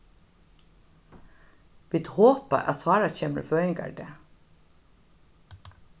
vit hopa at sára kemur í føðingardag